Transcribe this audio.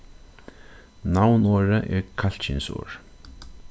navnorðið er kallkynsorð